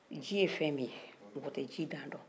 ji ye fɛn min ye mɔgɔ tɛ ji dan dɔn